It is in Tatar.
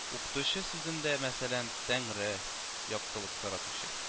Укытучы сүзендә, мәсәлән, Тәңре, яктылык таратучы